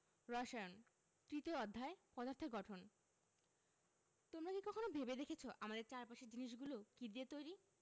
রসায়ন তৃতীয় অধ্যায় পদার্থের গঠন তোমরা কি কখনো ভেবে দেখেছ আমাদের চারপাশের জিনিসগুলো কী দিয়ে তৈরি